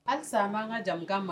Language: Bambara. Halisa' an ka jamana ma